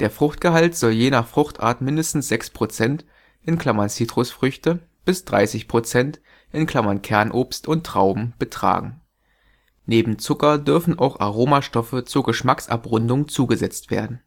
Fruchtgehalt soll je nach Fruchtart mindestens 6 % (Zitrusfrüchte) bis 30 % (Kernobst, Trauben) betragen. Neben Zucker dürfen auch Aromastoffe zur Geschmacksabrundung zugesetzt werden